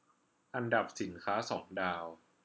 อันดับสินค้าสองดาว